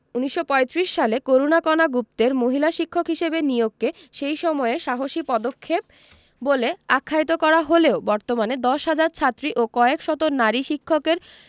১৯৩৫ সালে করুণাকণা গুপ্তের মহিলা শিক্ষক হিসেবে নিয়োগকে সেই সময়ে সাহসী পদক্ষেপ বলে আখ্যায়িত করা হলেও বর্তমানে ১০ হাজার ছাত্রী ও কয়েক শত নারী শিক্ষকের